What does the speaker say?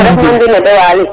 nene nu mbina de Waly